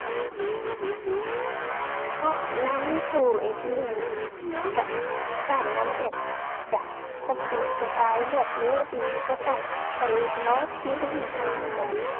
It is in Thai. ถอนนำตู้ ATM กับใช้นำแอปจ้ะ สะดวกสบายรวดเร็วดี บ่ต้องไปรอคิวอิหยังหลายจ้ะ